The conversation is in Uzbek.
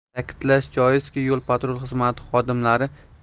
ta'kidlash joizki yo patrul xizmati xodimlari tez